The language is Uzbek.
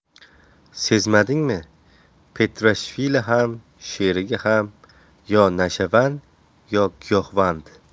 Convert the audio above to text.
sezmadingmi petrashvili ham sherigi ham yo nashavand yo giyohvand